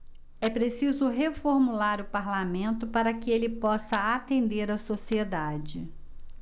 é preciso reformular o parlamento para que ele possa atender a sociedade